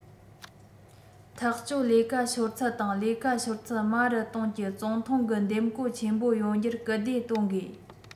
ཐག གཅོད ལས ཀ ཤོར ཚད དང ལས ཀ ཤོར ཚད དམའ རུ གཏོང གྱི ཙུང ཐུང གི འདེམས བསྐོ ཆེན པོ ཡོང རྒྱུར སྐུལ འདེད གཏོང དགོས